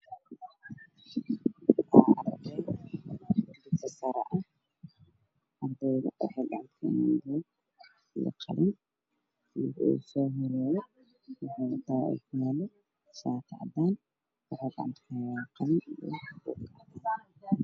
Waa arday dugsi sare waxay wataan shaati cadaan ah cashar ayay qorayaan miisaas ay ku fadhiyaan qaxwi ah